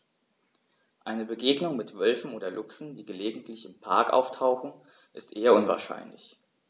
Eine Begegnung mit Wölfen oder Luchsen, die gelegentlich im Park auftauchen, ist eher unwahrscheinlich.